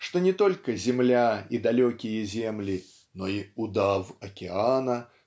что не только земля и далекие земли но и "удав" океана